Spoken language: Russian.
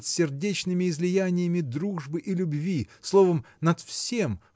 над сердечными излияниями дружбы и любви словом над всем